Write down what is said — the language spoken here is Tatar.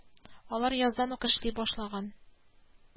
Күрше Сәрби әбинең кәҗәсен бергә саудылар.